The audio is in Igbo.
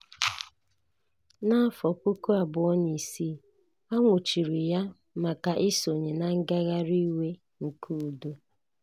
Na 2006, a nwụchiri ya maka isonye na ngagharị iwe nke udo.